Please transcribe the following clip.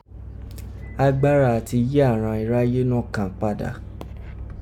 Agbara ati yii àghan iráyé nọkan pada.